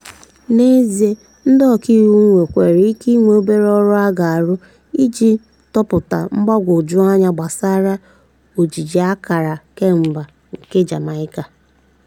N'ezie, ndị ọka iwu nwekwara ike inwe obere ọrụ a ga-arụ iji tọpụ mgbagwoju anya gbasara ojiji ákàrà kemba nke Jamaica.